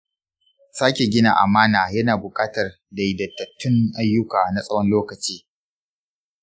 sake gina amana yana buƙatar daidaitattun ayyuka na tsawon lokaci.